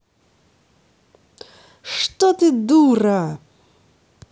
что ты дура